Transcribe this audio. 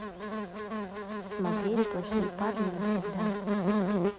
смотреть плохие парни навсегда